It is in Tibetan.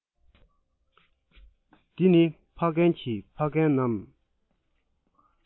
དེ ནི ཕ རྒན གྱི ཕ རྒན ནམ